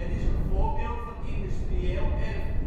is een voorbeeld van Industrieel Erfgoed